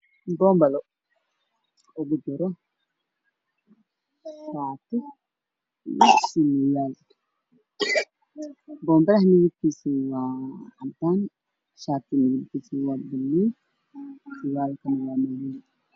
Bonbalo waxa uu saran yahay miis dushiisa bonbalaha mideb kiisu waa buluug